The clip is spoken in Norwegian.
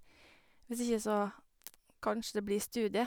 Hvis ikke så kanskje det blir studier.